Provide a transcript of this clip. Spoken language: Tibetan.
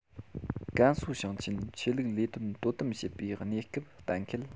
ཀན སུའུ ཞིང ཆེན ཆོས ལུགས ལས དོན དོ དམ བྱེད པའི གནས སྐབས གཏན འཁེལ